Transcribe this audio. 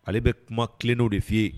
Ale bɛ kuma tilennenw de f'i ye